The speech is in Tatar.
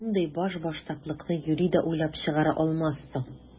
Мондый башбаштаклыкны юри дә уйлап чыгара алмассың!